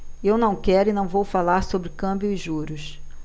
eu não quero e não vou falar sobre câmbio e juros